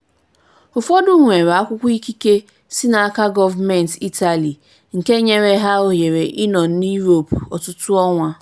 Ụfọdụ nwere akwụkwọ ikike si n'aka gọọmenti Italy nke nyere ha ohere ịnọ na Europe ọtụtụ ọnwa.